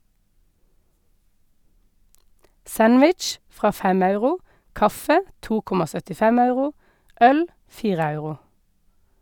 Sandwich fra 5 euro, kaffe 2,75 euro, øl 4 euro.